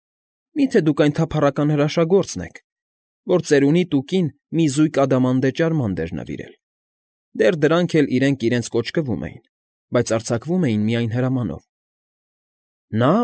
Մի՞թե դուք այս թափառական հրաշագործն եք, որ ծերունի Տուկին մի զույգ ադամանդե ճարմանդ էր նվիրել, դեռ դրանք էլ իրենք իրենց կոճկվում էին, բայց արձակվում էին միայն հրամանով։